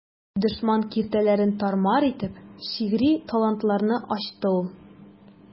Дошман киртәләрен тар-мар итеп, шигъри талантларны ачты ул.